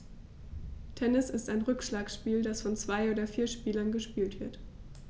Tennis ist ein Rückschlagspiel, das von zwei oder vier Spielern gespielt wird.